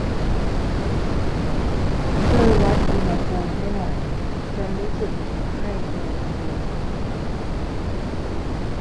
ช่วยวัดอุณหภูมิให้หน่อยฉันรู้สึกมีไข้ตัวรุมรุม